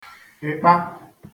ị̀kpa